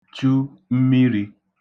chu mmirī